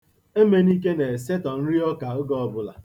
Emenike na-esetọ nri ọka oge ọbụla